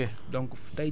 INP